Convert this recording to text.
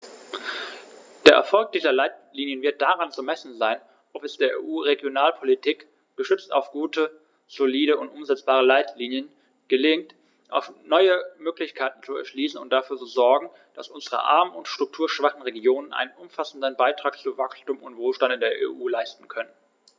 Der Erfolg dieser Leitlinien wird daran zu messen sein, ob es der EU-Regionalpolitik, gestützt auf gute, solide und umsetzbare Leitlinien, gelingt, neue Möglichkeiten zu erschließen und dafür zu sorgen, dass unsere armen und strukturschwachen Regionen einen umfassenden Beitrag zu Wachstum und Wohlstand in der EU leisten können.